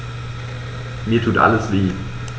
Mir tut alles weh.